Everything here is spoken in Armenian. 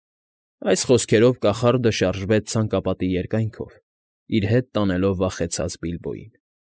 Այդ խոսքերով կախարդը շարժվեց ցանկապատի երկայնքով, իր հետ տանելով վախեցած Բիլբոյին։